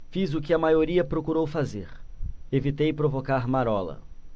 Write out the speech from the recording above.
fiz o que a maioria procurou fazer evitei provocar marola